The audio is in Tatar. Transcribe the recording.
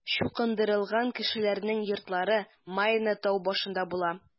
Чукындырылган кешеләрнең йортлары Майна тау башында була.